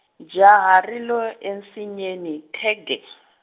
jaha ri lo ensinyeni khegee .